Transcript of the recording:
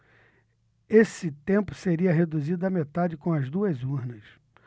esse tempo seria reduzido à metade com as duas urnas